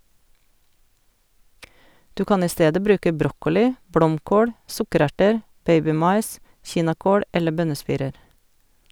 Du kan i stedet bruke brokkoli, blomkål, sukkererter, babymais, kinakål eller bønnespirer.